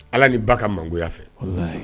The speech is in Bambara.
Ala ni ba ka mangoya fɛ